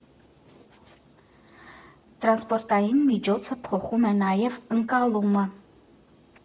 Տրանսպորտային միջոցը փոխում է նաև ընկալումը։